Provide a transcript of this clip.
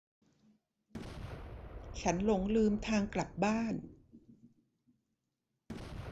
ฉันหลงลืมทางกลับบ้าน